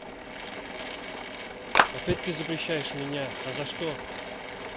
опять ты запрещаешь меня а за что